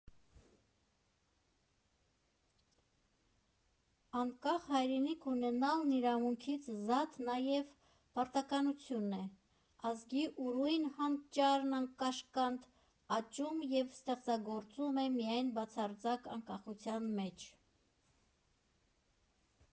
Անկախ Հայրենիք ունենալն իրավունքից զատ նաև Պարտականություն է, Ազգի ուրույն հանճարն անկաշկանդ աճում և ստեղծագործում է միայն բացարձակ անկախության մեջ…